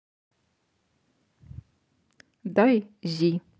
дай зи